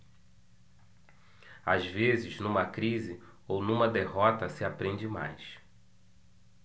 às vezes numa crise ou numa derrota se aprende mais